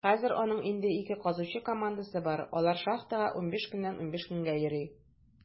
Хәзер аның инде ике казучы командасы бар; алар шахтага 15 көннән 15 көнгә йөри.